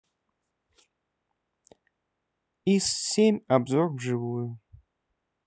ис семь обзор вживую